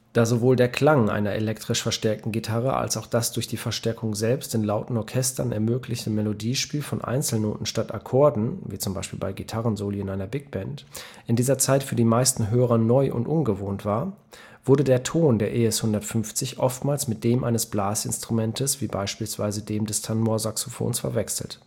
Da sowohl der Klang einer elektrisch verstärkten Gitarre als auch das durch die Verstärkung selbst in lauten Orchestern ermöglichte Melodiespiel von Einzelnoten statt Akkorden (wie zum Beispiel bei Gitarrensoli in einer Big Band) in dieser Zeit für die meisten Hörer neu und ungewohnt war, wurde der Ton der ES-150 oftmals mit dem eines Blasinstrumentes wie beispielsweise dem des Tenorsaxophons verwechselt